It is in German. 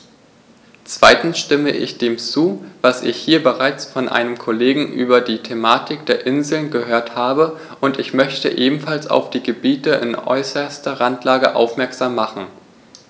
Zweitens stimme ich dem zu, was ich hier bereits von einem Kollegen über die Thematik der Inseln gehört habe, und ich möchte ebenfalls auf die Gebiete in äußerster Randlage aufmerksam machen.